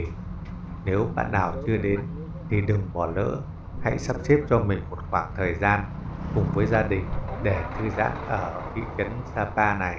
nếu bạn nào chưa đến thì đừng bỏ lỡ hãy sắp xếp cho mình một khoảng thời gian cùng với gia đình để thư giãn ở thị trấn vùng cao này